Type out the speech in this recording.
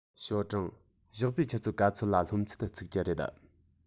ཞའོ ཀྲུང ཞོགས པའི ཆུ ཚོད ག ཚོད ལ སློབ ཚན ཚུགས ཀྱི རེད